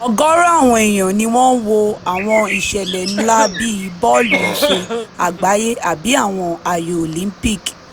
Ọ̀gọ̀ọ̀rọ̀ àwọn èèyàn ni wọ́n ń wo àwọn ìṣẹ̀lẹ̀ ńlá bíi Bọ́ọ̀lù Ife Àgbáyé àbí àwọn Ayò Olympic.